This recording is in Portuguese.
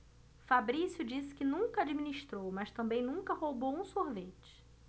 fabrício disse que nunca administrou mas também nunca roubou um sorvete